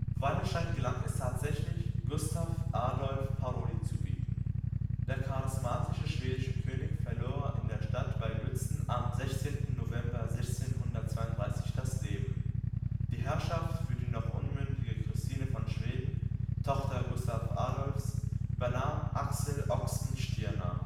Wallenstein gelang es tatsächlich, Gustav Adolf Paroli zu bieten. Der charismatische schwedische König verlor in der Schlacht bei Lützen am 16. November 1632 das Leben. Die Herrschaft für die noch unmündige Christine von Schweden, Tochter Gustav Adolfs, übernahm Axel Oxenstierna